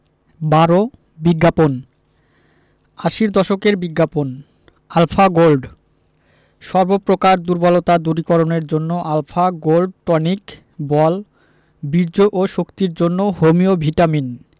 ১২ বিজ্ঞাপন আশির দশকের বিজ্ঞাপন আলফা গোল্ড সর্ব প্রকার দুর্বলতা দূরীকরণের জন্য আল্ ফা গোল্ড টনিক –বল বীর্য ও শক্তির জন্য হোমিও ভিটামিন